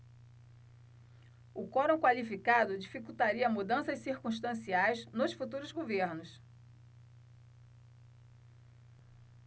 o quorum qualificado dificultaria mudanças circunstanciais nos futuros governos